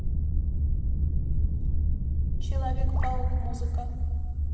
человек паук музыка